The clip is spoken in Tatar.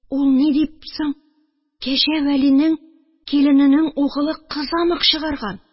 Ул ни дип соң Кәҗә Вәлинең киленең угылы кызамык чыгарган